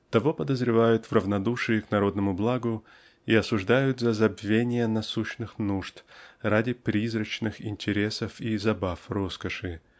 того подозревают в равнодушии к народному благу и осуждают за забвение насущных нужд ради призрачных интересов и забав роскоши